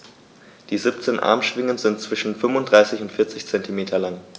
Die 17 Armschwingen sind zwischen 35 und 40 cm lang.